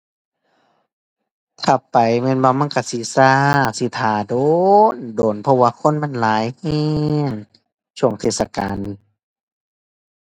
ถ้าไปแม่นบ่ มันก็สิก็ สิท่าโดนโดน เพราะว่าคนมันหลายก็ ช่วงเทศกาลนี่